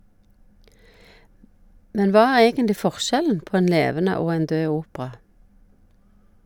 Men hva er egentlig forskjellen på en levende og en død opera?